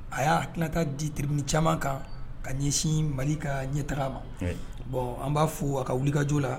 A y'a tilata ditirirmi caman kan ka ɲɛsin mali ka ɲɛ taga ma bɔn an b'a fo a ka wulika joo la